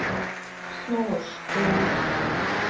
снова в школу